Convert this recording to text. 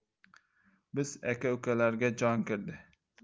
biz aka ukalarga jon kirdi